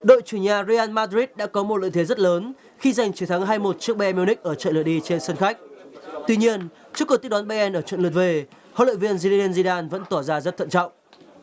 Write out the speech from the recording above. đội chủ nhà ri an ma rít đã có một lợi thế rất lớn khi giành chiến thắng hai một trước bay ơn mu ních ở trận lượt đi trên sân khách tuy nhiên trước cuộc tiếp đón bê an ở trận lượt về huấn luyện viên di đan di đan vẫn tỏ ra rất thận trọng